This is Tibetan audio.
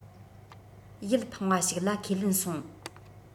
ཡིད ཕངས བ ཞིག ལ ཁས ལེན སོང